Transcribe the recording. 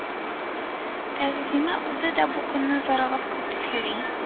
Тәгъзимә үзе дә бу көнне зарыгып көтеп йөри